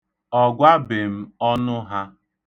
Ọ gwabe m ọnụ ya.